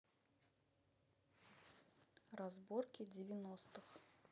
разборки девяностых